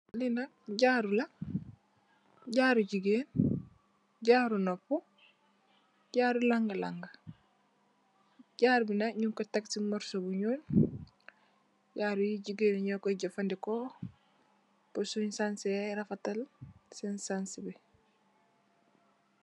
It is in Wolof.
Li nak jaaro la, jaaro jigéen , jaaro nopu, jaaro Lang-Lang. Jaaro bi nak nung ko tekk ci morsu bu ñuul. Jaaro yi jigéen yi nyo koy jafadeko purr sun sangseh rafetal senn sangseh bi.